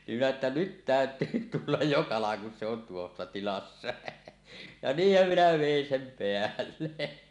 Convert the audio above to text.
niin minä että nyt täytyy tulla jo kalan kun se on tuossa tilassa ja niinhän minä vedin sen päälle